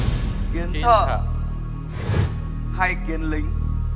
kiến thợ hay kiến lính